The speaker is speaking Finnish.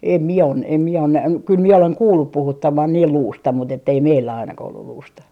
en minä ole en minä ole - kyllä minä olen kuullut puhuttaman niin luusta mutta että ei meillä ainakaan ollut luusta